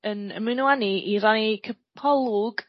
yn ymuno â ni i rannu cipolwg